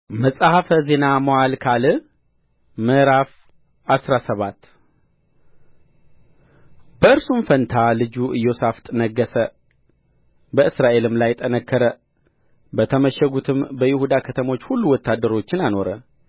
መጽሐፈ ዜና መዋዕል ካልዕ ምዕራፍ አስራ ሰባት በእርሱም ፋንታ ልጁ ኢዮሳፍጥ ነገሠ በእስራኤልም ላይ ጠነከረ በተመሸጉትም በይሁዳ ከተሞች ሁሉ ወታደሮችን አኖረ